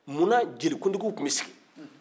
munna jelikuntigiw tun bɛ sigi